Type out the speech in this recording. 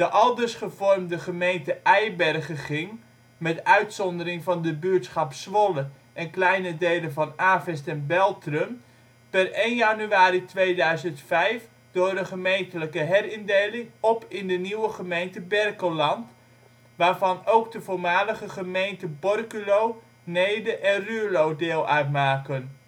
aldus gevormde gemeente Eibergen ging, met uitzondering van de buurtschap Zwolle en kleine delen van Avest en Beltrum, per 1 januari 2005 door een gemeentelijke herindeling op in de nieuwe gemeente Berkelland, waarvan ook de voormalige gemeenten Borculo, Neede en Ruurlo deel uitmaken